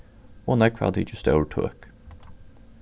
og nógv hava tikið stór tøk